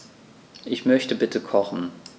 Ich möchte bitte kochen.